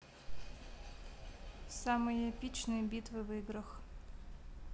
самые эпичные битвы в играх